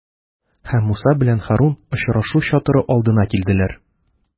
Һәм Муса белән Һарун очрашу чатыры алдына килделәр.